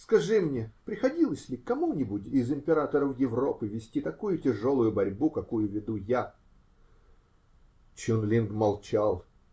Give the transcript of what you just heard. Скажи мне, приходилось ли кому-нибудь из императоров Европы вести такую тяжелую борьбу, какую веду я? Чун-Линг молчал.